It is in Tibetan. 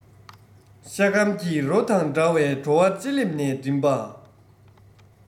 ཤ སྐམ གྱི རོ དང འདྲ བའི བྲོ བ ལྕེ ལེབ ནས མགྲིན པ